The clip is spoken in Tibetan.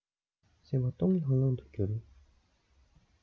སེམས པ སྟོང ལྷང ལྷང དུ གྱུར